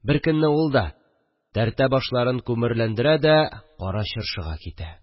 Беркөнне ул да тәртә башларын күмерләндерә дә, Кара Чыршыга китә